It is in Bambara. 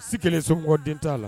Si kelen so den t'a la